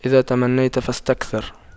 إذا تمنيت فاستكثر